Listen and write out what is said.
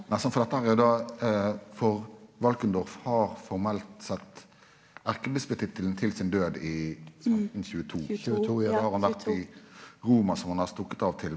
nei sant for dette her er jo då for Valkendorf har formelt sett erkebispetittelen til sin død i 1522 har han vore i Roma som han har stukke av til.